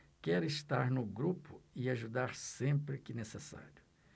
quero estar no grupo e ajudar sempre que necessário